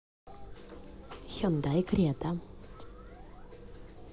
хендай крета